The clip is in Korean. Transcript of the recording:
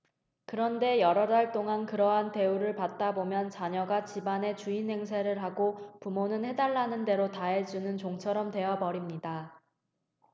그런데 여러 달 동안 그러한 대우를 받다 보면 자녀가 집안의 주인 행세를 하고 부모는 해 달라는 대로 다 해 주는 종처럼 되어 버립니다